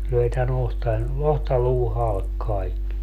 löi tämän otsan otsaluun halki kaikki